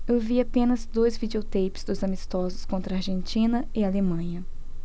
eu vi apenas dois videoteipes dos amistosos contra argentina e alemanha